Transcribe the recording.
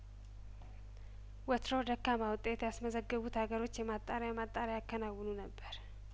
ወትሮ ደካማ ውጤት ያስመዘገቡት ሀገሮች የማጣሪያ ማጣሪያ ያከናውኑ ነበር